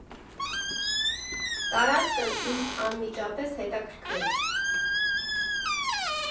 «Տարածքն ինձ անմիջապես հետաքրքրեց։